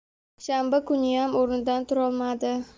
shanba kuniyam o'rnidan turolmadi